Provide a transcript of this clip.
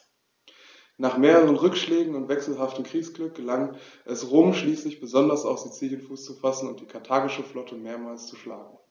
Nach mehreren Rückschlägen und wechselhaftem Kriegsglück gelang es Rom schließlich, besonders auf Sizilien Fuß zu fassen und die karthagische Flotte mehrmals zu schlagen.